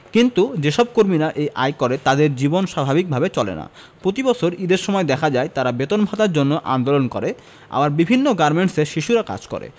কিন্তু যেসব কর্মীরা এই আয় করে তাদের জীবন স্বাভাবিক ভাবে চলে না প্রতিবছর ঈদের সময় দেখা যায় তারা বেতন ভাতার জন্য আন্দোলন করে আবার বিভিন্ন গার্মেন্টসে শিশুরা কাজ করে